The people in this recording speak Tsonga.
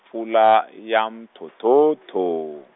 mpfula ya mthothotho.